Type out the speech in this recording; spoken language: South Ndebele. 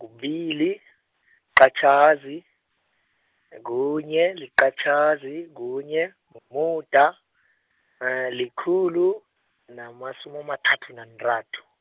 kubili, -qatjhazi, kunye, liqatjhazi, kunye, mumuda, likhulu, namasumi, amathathu, nanthathu.